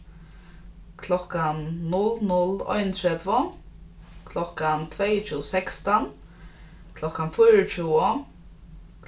klokkan null null einogtretivu klokkan tveyogtjúgu sekstan klokkan fýraogtjúgu